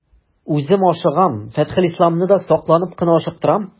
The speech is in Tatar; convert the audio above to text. Үзем ашыгам, Фәтхелисламны да сакланып кына ашыктырам.